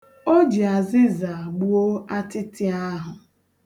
O ji azịza gbu o atịtị ahụ.